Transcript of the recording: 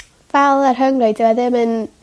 fel y rhyngrwyd dyw e ddim yn